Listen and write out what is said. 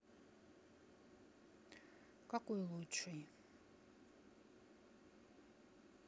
какой лучший